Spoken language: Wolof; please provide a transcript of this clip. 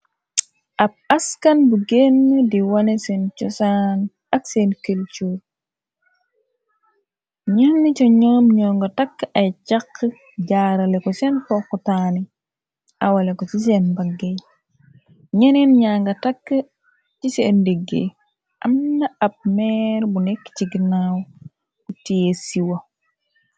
Ab askan bu génn di wane sen chosan ak sen kulture nyene ca ñoom nuge take aye caxq jaarale ko sen pokxtaani awale ko ci sen mbaggey nyenen nyege take ci sen ndege ye am na ab meer bu nekk ci ganaw bu teye sewo.